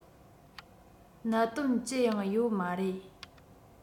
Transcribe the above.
གནད དོན ཅི ཡང ཡོད མ རེད